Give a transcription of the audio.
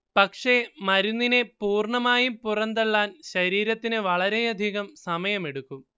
പക്ഷേ മരുന്നിനെ പൂർണ്ണമായും പുറന്തള്ളാൻ ശരീരത്തിന് വളരെയധികം സമയമെടുക്കും